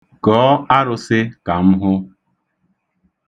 Gọọ arụsị ka m hụ.